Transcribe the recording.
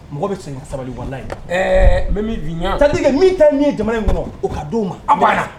Mɔgɔ bɛ segin sabaliwalan ye n bɛ min' ɲɛ salikɛ min ta min ye jamana in kɔnɔ o k'a di' ma a b banna la